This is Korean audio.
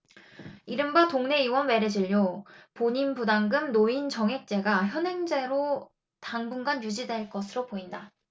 이른바 동네의원 외래진료 본인부담금 노인정액제가 현행대로 당분간 유지될 것으로 보인다